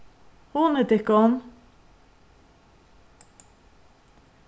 hugnið tykkum